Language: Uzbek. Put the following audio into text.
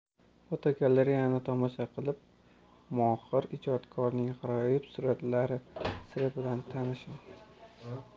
fotogalereyani tomosha qilib mohir ijodkorning g'aroyib suratlari siri bilan tanishing